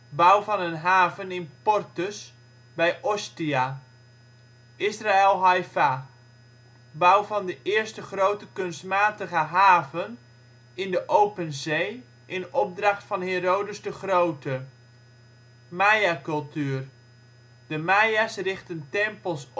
Bouw van een haven in Portus, bij Ostia. Israël/Haifa: Bouw van de eerste grote kunstmatige haven in de open zee in opdracht van Herodes de Grote. Maya Cultuur: De Maya 's richten tempels